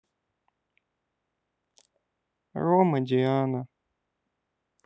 рома диана